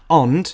Ond...